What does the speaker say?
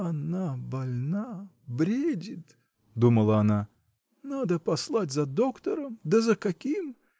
"Она больна, бредит, -- думала она, -- надо послать за доктором, да за каким?